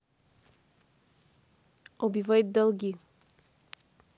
убивает долги